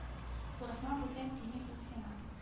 Курыкма бүтән тими ул сиңа